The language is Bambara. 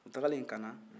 u tagalen kaana